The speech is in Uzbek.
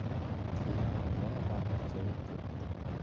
keyin yana ham kuchayib keti